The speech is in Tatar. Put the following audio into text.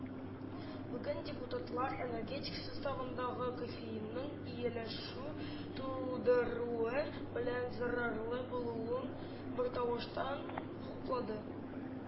Бүген депутатлар “энергетик” составындагы кофеинның ияләшү тудыруы белән зарарлы булуын бертавыштан хуплады